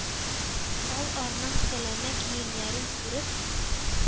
Ал арның сәләмә киемнәрен күреп,